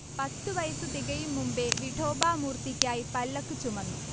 പത്തു വയസ്സു തികയും മുമ്പേ വിഠോബാ മൂർത്തിക്കായി പല്ലക്ക് ചുമന്നു